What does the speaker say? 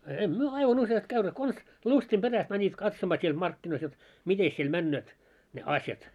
emme me aivan useasti käyneet konsa lystin perästä menivät katsomaan siellä markkinoissa jotta mitenkäs siellä menevät ne asiat